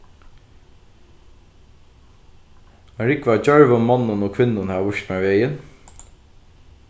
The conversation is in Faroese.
ein rúgva av djørvum monnum og kvinnum hava víst mær vegin